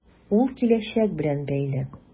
Ул киләчәк белән бәйле.